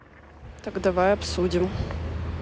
так давайте обсудим